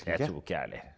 det tror ikke jeg heller.